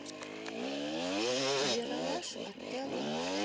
ералаш отелло